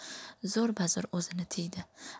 zo'r bazo'r o'zini tiydi